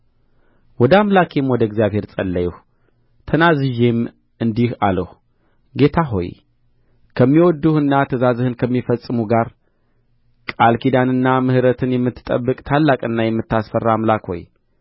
ወደ አምላኬም ወደ እግዚአብሔር ጸለይሁ ተናዝዤም እንዲህ አልሁ ጌታ ሆይ ከሚወድዱህና ትእዛዝህን ከሚፈጽሙ ጋር ቃል ኪዳንንና ምሕረትን የምትጠብቅ ታላቅና የምታስፈራ አምላክ ሆይ